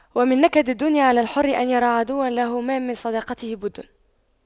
ومن نكد الدنيا على الحر أن يرى عدوا له ما من صداقته بد